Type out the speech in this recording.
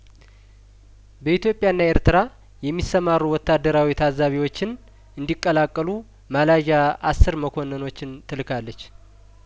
በኢትዮጵያ ና ኤርትራ የሚሰማሩ ወታደራዊ ታዛቢዎችን እንዲቀላቀሉ ማላዥያ አስር መኮንኖችን ትልካለች